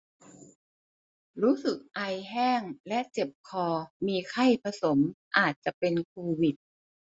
รู้สึกไอแห้งและเจ็บคอมีไข้ผสมอาจจะเป็นโควิด